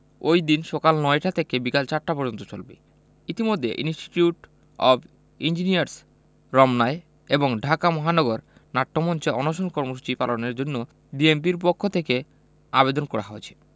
ওইদিন সকাল ৯টা থেকে বিকেল ৪টা পর্যন্ত চলবে ইতিমধ্যে ইন্সটিটিউট অব ইঞ্জিনিয়ার্স রমনায় এবং ঢাকা মহানগর নাট্যমঞ্চে অনশন কর্মসূচি পালনের জন্য বিএনপির পক্ষ থেকে আবেদন করা হয়েছে